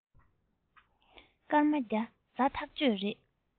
སྐར མ བརྒྱ ཟ ཐག གཅོད རེད